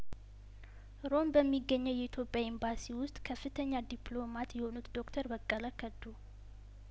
ሮም በሚገኘው የኢትዮጵያ ኤምባሲ ውስጥ ከፍተኛ ዲፕሎማት የሆኑት ዶክተር በቀለከዱ